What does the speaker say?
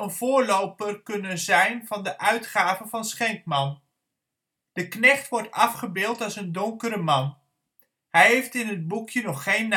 voorloper kunnen zijn van de uitgave van Schenkman. De knecht wordt afgebeeld als een donkere man. Hij heeft in het boekje nog geen naam